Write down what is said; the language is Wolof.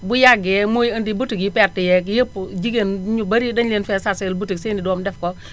bu yàggee mooy indi boutique yu perte yéeg yépp jigéen ñu bari dañu leen fee chargé boutique seen i doom def ko